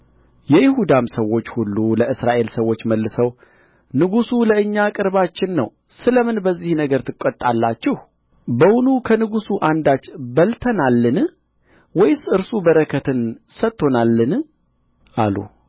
የይሁዳም ሰዎች ሁሉ ለእስራኤል ሰዎች መልሰው ንጉሡ ለእኛ ቅርባችን ነው ስለ ምን በዚህ ነገር ትቈጣላችሁ በውኑ ከንጉሡ አንዳች በልተናልን ወይስ እርሱ በረከት ሰጥቶናልን አሉ